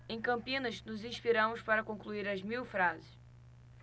em campinas nos inspiramos para concluir as mil frases